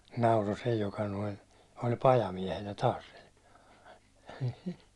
nauroi se joka noin oli pajamiehenä taas sillä